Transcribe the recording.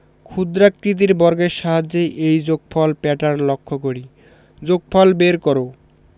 ক্ষুদ্রাকৃতির বর্গের সাহায্যে এই যোগফল প্যাটার্ন লক্ষ করি যোগফল বের কর